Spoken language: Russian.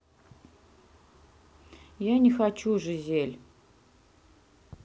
я не хочу жизель